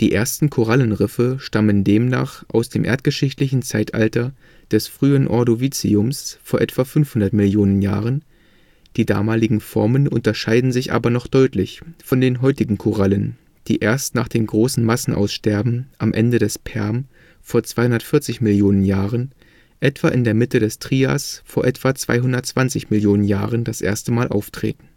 ersten Korallenriffe stammen demnach aus dem erdgeschichtlichen Zeitalter des frühen Ordoviziums vor etwa 500 Millionen Jahren, die damaligen Formen unterschieden sich aber noch deutlich von den heutigen Korallen, die erst nach dem großen Massenaussterben am Ende des Perm vor 240 Millionen Jahren etwa in der Mitte der Trias vor etwa 220 Millionen Jahren das erste Mal auftreten